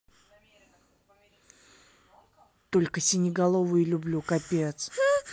только синеголовый люблю капец